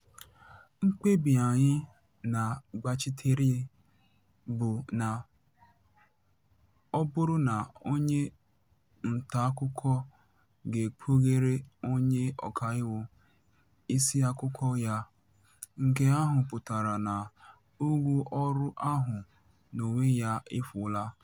"Mkpebi anyị na-agbachitere bụ na ọ bụrụ na onye ntaakụkọ ga-ekpughere onye ọkaiwu isi akụkọ ya, nke ahụ pụtara na ùgwù ọrụ ahụ n'onwe ya efuola.